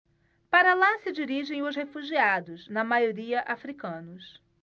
para lá se dirigem os refugiados na maioria hútus